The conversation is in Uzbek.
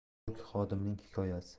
morg xodimining hikoyasi